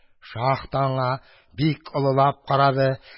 Шаһ та аңа бик олылыклап карады.